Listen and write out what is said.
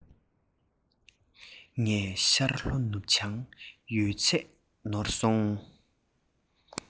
ངས ཤར ལྷོ ནུབ བྱང ཡོད ཚད ནོར སོང